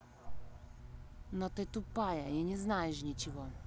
но ты тупая и не знаешь ничего